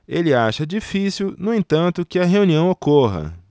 ele acha difícil no entanto que a reunião ocorra